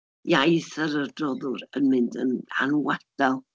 Iaith yr adroddwr yn mynd yn anwadal.